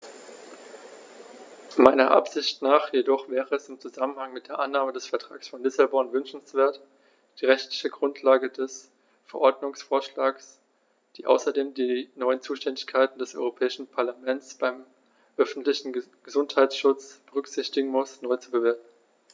Meiner Ansicht nach jedoch wäre es im Zusammenhang mit der Annahme des Vertrags von Lissabon wünschenswert, die rechtliche Grundlage des Verordnungsvorschlags, die außerdem die neuen Zuständigkeiten des Europäischen Parlaments beim öffentlichen Gesundheitsschutz berücksichtigen muss, neu zu bewerten.